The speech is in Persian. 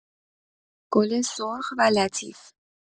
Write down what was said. گل سرخ و لطیف